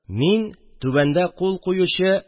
«мин, түбәндә кул куючы...»